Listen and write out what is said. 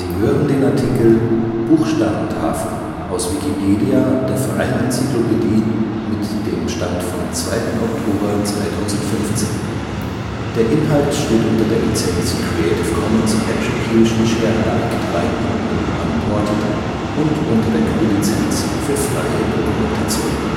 hören den Artikel Buchstabentafel, aus Wikipedia, der freien Enzyklopädie. Mit dem Stand vom Der Inhalt steht unter der Lizenz Creative Commons Attribution Share Alike 3 Punkt 0 Unported und unter der GNU Lizenz für freie Dokumentation